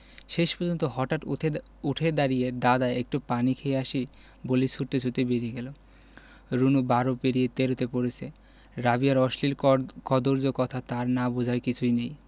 শেষ পর্যন্ত হঠাৎ উঠে দাড়িয়ে দাদা একটু পানি খেয়ে আসি বলে ছুটতে ছুটতে বেরিয়ে গেল রুনু বারো পেরিয়ে তেরোতে পড়েছে রাবেয়ার অশ্লীল কদৰ্য কথা তার না বুঝার কিছুই নেই